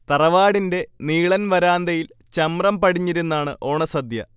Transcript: തറവാടിന്റെ നീളൻ വരാന്തയിൽ ചമ്രം പടിഞ്ഞിരുന്നാണ് ഓണസദ്യ